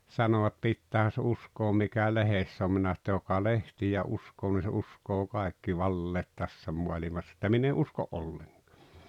sanovat pitäähän se uskoa mikä lehdessä on minä sanoin että joka lehtiä uskoo niin se uskoo kaikki valheet tässä maailmassa että minä en usko ollenkaan